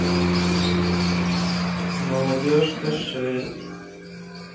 молодежка шесть